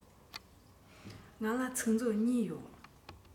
ང ལ ཚིག མཛོད གཉིས ཡོད